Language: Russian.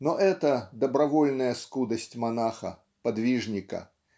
Но это - добровольная скудость монаха, подвижника